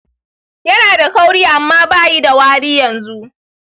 yana da kauri amma bayida wari yanzu.